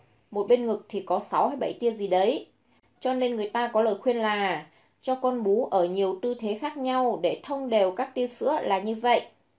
bên ngực thì có tia gì đấy cho nên người ta có lời khuyên là cho con bú ở nhiều tư thế khác nhau để thông đều các tia sữa là như vậy